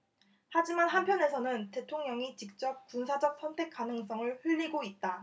하지만 한편에서는 대통령이 직접 군사적 선택 가능성을 흘리고 있다